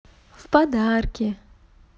в подарки